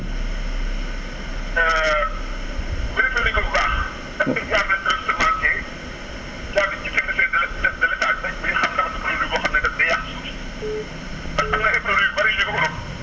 vérifié nañ ko bu baax est ce que jaar na * jaar na si service de l' état ñu xam ndax du produit boo xam ne dafay yàq jiwu gi parce que am na ay produits yu bëri yu ko